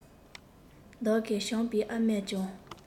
བདག གི བྱམས པའི ཨ མས ཀྱང